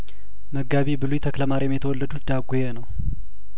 መጋቢ ብሉይ ተክለማሪያም የተወለዱት ዳጔ ነው